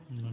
wallay